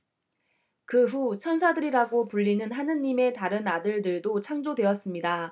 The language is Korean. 그 후 천사들이라고 불리는 하느님의 다른 아들들도 창조되었습니다